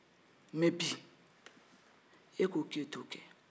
mais bi e ko k'e to kɛ